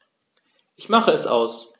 Ich mache es aus.